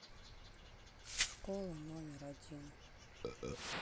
школа номер один